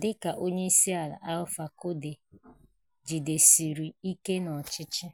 dị ka onyeisiala Alpha Condé jidesiri ike n'ọchịchị